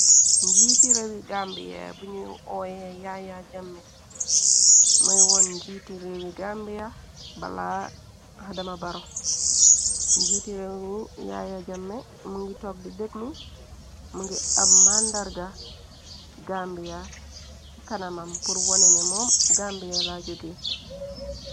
Njiiti réew yi gambia buñuy ooye yaaya jamme mooy woon njiiti réew yi gambia bala adama baro njiiti réew wi yaaya jamme mu ngi tog di dëg mu mu ngi ab màndarga gambiya ci kanamam pur wone ne moom gambiyeela jógee.